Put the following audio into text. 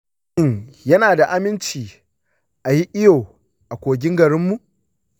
shin yana da aminci a yi iyo a kogin garinmu?